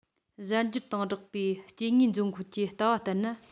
གཞན འགྱུར དང སྦྲགས པའི སྐྱེ དངོས འབྱུང ཁུངས ཀྱི ལྟ བ ལྟར ན